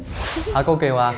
hả cô kiểu